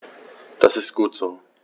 Das ist gut so.